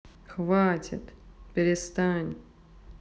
хватит перестань